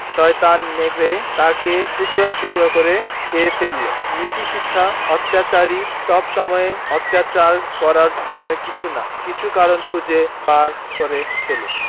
শয়তান নেকড়ে তাকে টুকরো টুকরো করে খেয়ে ফেলল নীতিশিক্ষাঃ অত্যাচারী সবসময়ই অত্যাচার করার জন্য কিছু না কিছু কারণ খুঁজে বার করে ফেলে